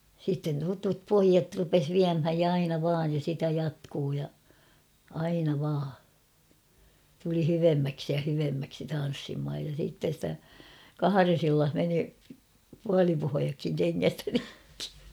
sitten tutut pojat rupesi viemään ja aina vain ja sitä jatkui ja aina vain tuli hyvemmäksi ja hyvemmäksi tanssimaan ja sitten sitä kahdessa illassa meni puolipohjatkin kengästä rikki